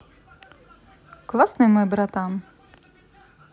классный мой братан